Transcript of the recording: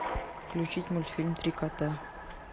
включить мультфильм три кота